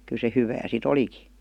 kyllä se hyvää sitten olikin